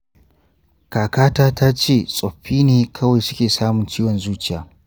kaka ta tace tsofaffi ne kawai suke samun ciwon zuciya.